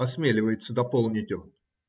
осмеливается дополнить он.